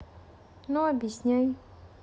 ну объясняй